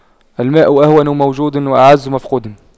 الماء أهون موجود وأعز مفقود